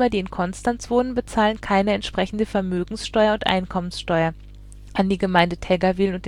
in Konstanz wohnen, bezahlen keine entsprechende Vermögenssteuer und Einkommenssteuer an die Gemeinde Tägerwilen